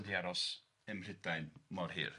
wedi aros ym Mhrydain mor hir